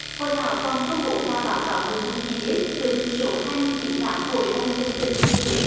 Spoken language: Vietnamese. hội thảo còn công bố pha báo cáo nội dung chi tiết quyết định số hai năm chín tám của ủy ban nhân dân tỉnh thừa thiên huế